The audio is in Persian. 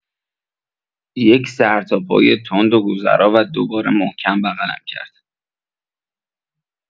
یک سرتاپای تند و گذرا و دوباره محکم بغلم کرد.